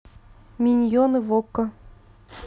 миньоны в окко